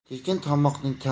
tekin tomoqning ta'mi